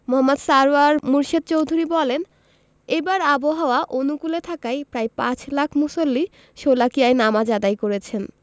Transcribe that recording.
মো. সারওয়ার মুর্শেদ চৌধুরী বলেন এবার আবহাওয়া অনুকূলে থাকায় প্রায় পাঁচ লাখ মুসল্লি শোলাকিয়ায় নামাজ আদায় করেছেন